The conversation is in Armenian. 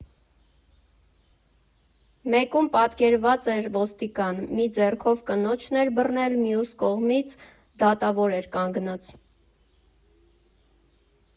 Մեկում պատկերված էր ոստիկան՝ մի ձեռքով կնոջն էր բռնել, մյուս կողմից՝ դատավոր էր կանգնած։